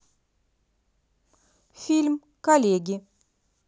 фильм коллеги